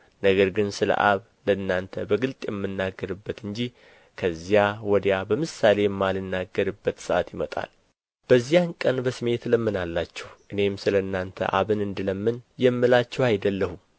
ነገር ግን ስለ አብ ለእናንተ በግልጥ የምናገርበት እንጂ ከዚያ ወዲያ በምሳሌ የማልናገርበት ሰዓት ይመጣል በዚያን ቀን በስሜ ትለምናላችሁ እኔም ስለ እናንተ አብን እንድለምን የምላችሁ አይደለሁም